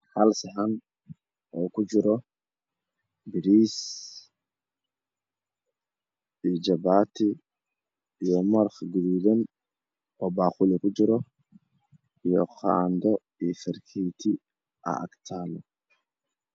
Hal saxan oo ku jiro bariis iyo jabaati iyo maraq gaduudan oo baaquli ku jiro iyo qaando iyo farkeeto aa ag taallo